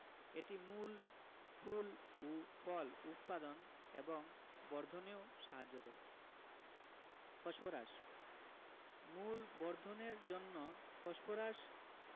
এটি মূল ফুল ও ফল উৎপাদন এবং বর্ধনেও সাহায্য করে ফসফরাস মূল বর্ধনের জন্য ফসফরাস